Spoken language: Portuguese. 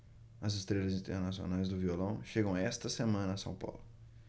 as estrelas internacionais do violão chegam esta semana a são paulo